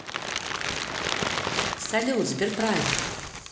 салют сберпрайм